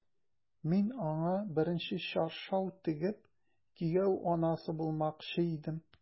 Мин аңа беренче чаршау тегеп, кияү анасы булмакчы идем...